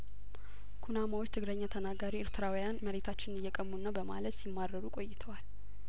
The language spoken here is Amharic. ኩናማዎች ትግረኛ ተናጋሪ ኤርትራውያን መሬታችንን እየቀሙን ነው በማለት ሲማረሩ ቆይተዋል